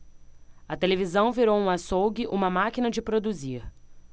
a televisão virou um açougue uma máquina de produzir